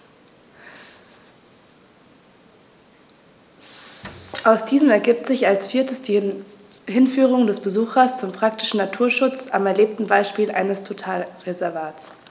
Aus diesen ergibt sich als viertes die Hinführung des Besuchers zum praktischen Naturschutz am erlebten Beispiel eines Totalreservats.